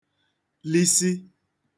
lisị